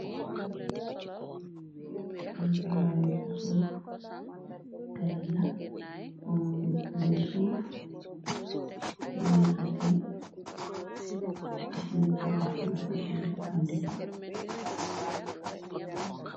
Musekone cu suuf, gella onuke bu be suuf, liggee kate ak nit tabax ñoo patee jafandiko.